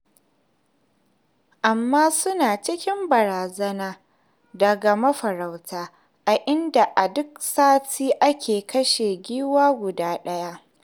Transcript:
Amma su na cikin barazana daga mafarauta, a inda a duk sati ake kashe giwa guda ɗaya.